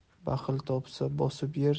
baxil topsa bosib yer